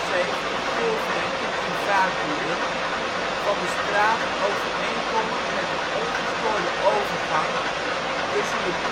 763,73 golflengten in vacuüm van de straling overeenkomend met de ongestoorde overgang tussen de